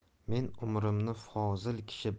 men umrimni fozil kishi